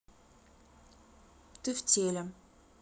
ты в теле